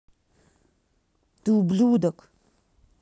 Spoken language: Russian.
ты ублюдок